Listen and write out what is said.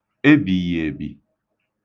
ebìghị̀èbì